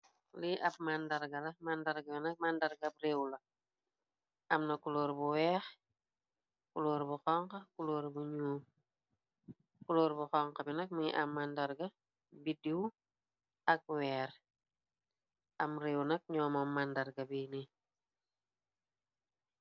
Lii ab màndarga la màndarga yu nag màndargab réew la amna kulóor bu weex xkulóor bu xonx bi nag mingi am màndarga biddiw ak weer am réew nag ñoomoom màndarga bi ni.